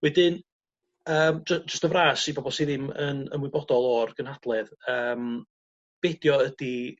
Wedyn yym jy- jyst y fras i bobol sy ddim yn ymwybodol o'r gynhadledd yym be' 'di o ydi